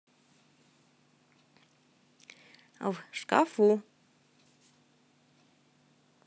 в шкафу